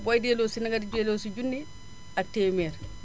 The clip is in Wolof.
booy delloo si na nga delloo si junni ak téeméer